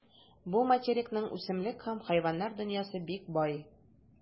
Бу материкның үсемлек һәм хайваннар дөньясы бик бай.